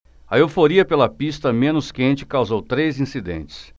a euforia pela pista menos quente causou três incidentes